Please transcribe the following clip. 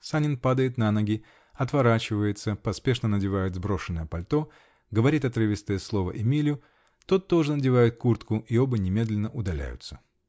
Санин падает на ноги, отворачивается, поспешно надевает сброшенное пальто, говорит отрывистое слово Эмилю, тот тоже надевает куртку -- и оба немедленно удаляются.